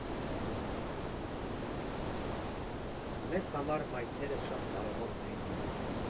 Մեզ համար մայթերը շատ կարևոր դեր ունեն։